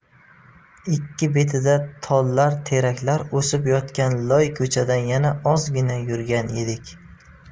ikki betida tollar teraklar o'sib yotgan loy ko'chadan yana ozgina yurgan edik